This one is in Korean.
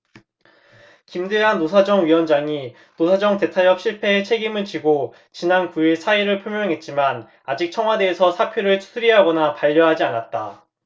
김대환 노사정위원장이 노사정 대타협 실패에 책임을 지고 지난 구 일 사의를 표명했지만 아직 청와대에서 사표를 수리하거나 반려하지 않았다